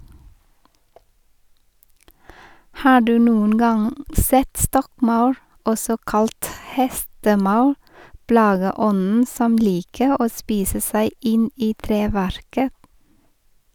Har du noen gang sett stokkmaur, også kalt hestemaur, plageånden som liker å spise seg inn i treverket?